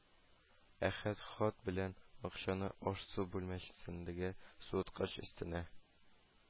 Әхәт хат белән акчаны аш-су бүлмәсендәге суыткыч өстенә